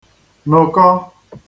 nokọ